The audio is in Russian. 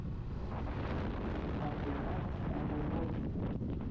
акуленок уруруруру